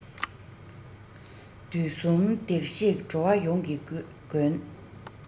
དུས གསུམ བདེར གཤེགས འགྲོ བ ཡོངས ཀྱི མགོན